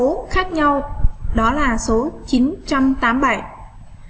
số khác nhau đó là số